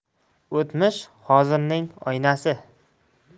o'tmish hozirning oynasi